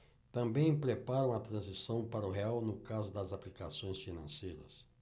também preparam a transição para o real no caso das aplicações financeiras